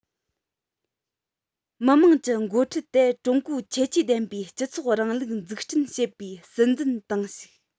མི དམངས ཀྱི འགོ ཁྲིད དེ ཀྲུང གོའི ཁྱད ཆོས ལྡན པའི སྤྱི ཚོགས རིང ལུགས འཛུགས སྐྲུན བྱེད པའི སྲིད འཛིན ཏང ཞིག